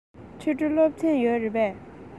ཕྱི དྲོ སློབ ཚན ཡོད རེད པས